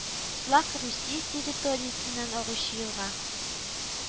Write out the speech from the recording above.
Слак Русия территориясеннән агучы елга